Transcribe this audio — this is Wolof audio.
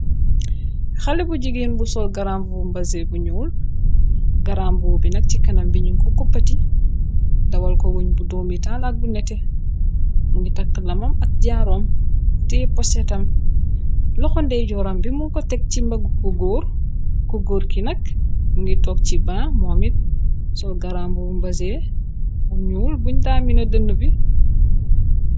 Xale bu jigeen bu sol garamb bu mbasé bu ñuul garambuu bi nag ci kanam bi ñu ko kuppati dawal ko wuñ bu doomitaal ak bu nete mu ngi takt lamam ak janroom tee posetam loko ndey jooram bi mun ko teg ci mbaggu ku góor ki nag mu ngi toog ci ban moo mit sol garamb bu mbasee bu ñuul buñ daamina dënd bi.